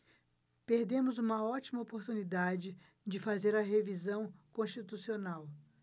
perdemos uma ótima oportunidade de fazer a revisão constitucional